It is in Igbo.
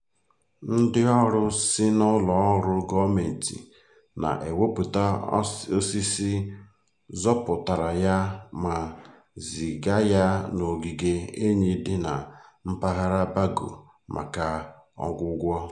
Ndịọrụ si n'ụlọ ọrụ gọọmentị na-ewepụta osisi zọpụtara ya ma ziga ya n'ogige enyi dị na mpaghara Bago maka ọgwụgwọ.